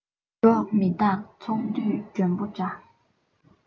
གྲོགས མི རྟག ཚོང འདུས མགྲོན པོ འདྲ